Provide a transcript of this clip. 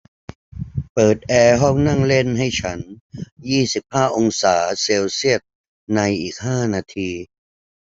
เปิดแอร์ห้องนั่งเล่นให้ฉันยี่สิบห้าองศาเซลเซียสในอีกห้านาที